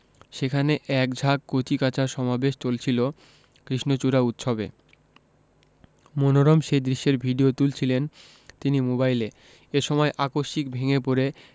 সেখানে এক ঝাঁক কচিকাঁচার সমাবেশ চলছিল কৃষ্ণচূড়া উৎসবে মনোরম সেই দৃশ্যের ভিডিও তুলছিলেন তিনি মোবাইলে এ সময় আকস্মিক ভেঙ্গে পড়ে